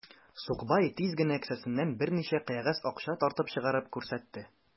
Сукбай тиз генә кесәсеннән берничә кәгазь акча тартып чыгарып күрсәтте.